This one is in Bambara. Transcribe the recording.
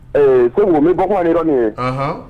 Ee ko ni bɔk ye nin ye